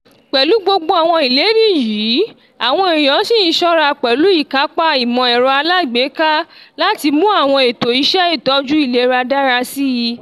Pẹ̀lú gbogbo àwọn ìlérí yìí, àwọn èèyàn sì ń ṣọ́ra pẹ̀lú ìkápá ìmọ̀-ẹ̀rọ alágbèéká láti mú àwọn ètò iṣẹ́ ìtọ́jú ìlera dára síi.